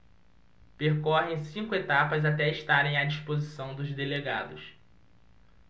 percorrem cinco etapas até estarem à disposição dos delegados